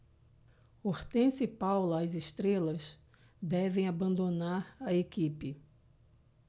hortência e paula as estrelas devem abandonar a equipe